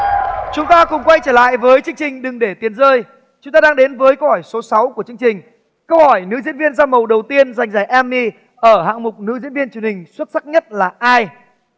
chúng ta cùng quay trở lại với chương trình đừng để tiền rơi chúng ta đang đến với câu hỏi số sáu của chương trình câu hỏi nữ diễn viên da màu đầu tiên giành giải em my ở hạng mục nữ diễn viên truyền hình xuất sắc nhất là ai